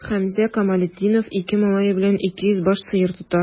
Хәмзә Камалетдинов ике малае белән 200 баш сыер тота.